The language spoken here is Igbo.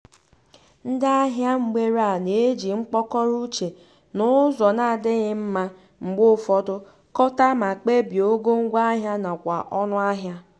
Ndị ahịa mgbere a na-eji mkpọkọrọ uche, na ụzọ na-adịghị mma mgbe ụfọdụ, kọtọ ma kpebie ogo ngwaahịa nakwa ọnụ ahịa.